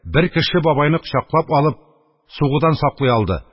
Бер кеше, бабайны кочаклап алып, сугудан саклый алды.